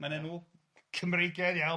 Mae'n enw Cymreigaidd iawn.